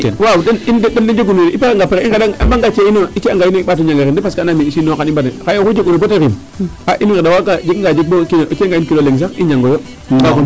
Waaw in de den de njegunooyo i pare'anga pare' a mbaaganga ci' ya inoyo a ci'anga in rek i mbaat o njag o xin rek parce que si non xana xaye oxu jeguuna bata rim i nqeɗa nqeɗ jeganga jeg o ci'angaa in kilo leŋ sax i njangooyo .